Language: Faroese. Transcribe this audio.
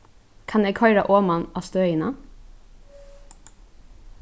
kann eg koyra oman á støðina